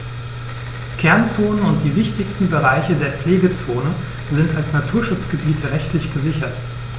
Kernzonen und die wichtigsten Bereiche der Pflegezone sind als Naturschutzgebiete rechtlich gesichert.